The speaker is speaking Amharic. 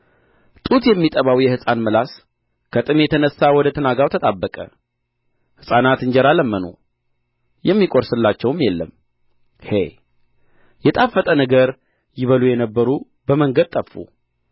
ጡት የሚጠባው የሕፃን ምላስ ከጥም የተነሣ ወደ ትናጋው ተጣበቀ ሕፃናት እንጀራ ለመኑ የሚቈርስላቸውም የለም ሄ የጣፈጠ ነገር ይበሉ የነበሩ በመንገድ ጠፉ